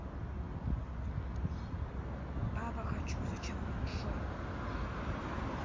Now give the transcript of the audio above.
баба хочу зачем мне джой